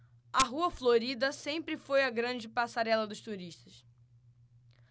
a rua florida sempre foi a grande passarela dos turistas